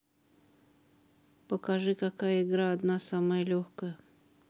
покажи какая игра одна самая легкая